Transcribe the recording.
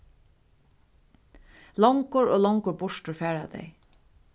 longur og longur burtur fara tey